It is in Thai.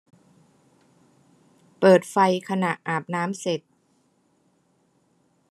เปิดไฟขณะอาบน้ำเสร็จ